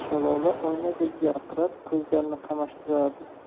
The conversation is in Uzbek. shalola oynadek yarqirab ko'zlarni qamashtirardi